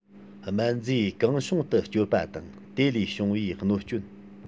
སྨན རྫས གང བྱུང དུ སྤྱོད པ དང དེ ལས བྱུང བའི གནོད སྐྱོན